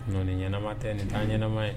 Ni ɲɛnama tɛ nin taa ɲɛnaɛnɛma ye